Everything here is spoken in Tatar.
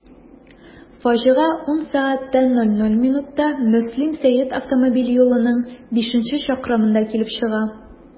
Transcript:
Фаҗига 10.00 сәгатьтә Мөслим–Сәет автомобиль юлының бишенче чакрымында килеп чыга.